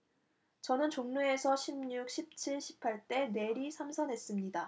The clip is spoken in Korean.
저는 종로에서 십 육 십 칠 십 팔 대 내리 삼선했습니다